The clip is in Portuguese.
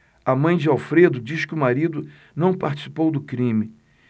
a mãe de alfredo diz que o marido não participou do crime